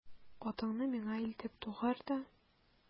Атыңны миңа илтеп тугар да...